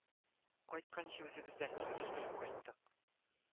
Кайтканчы үзебездән үзебез көлеп кайттык